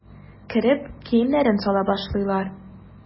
Кереп киемнәрен сала башлыйлар.